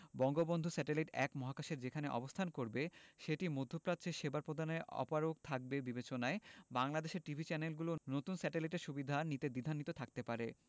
Bangabandhu satellite ১ মহাকাশের যেখানে অবস্থান করবে সেটি মধ্যপ্রাচ্যে সেবা প্রদানে অপারগ থাকবে বিবেচনায় বাংলাদেশের টিভি চ্যানেলগুলো নতুন স্যাটেলাইটের সুবিধা নিতে দ্বিধান্বিত থাকতে পারে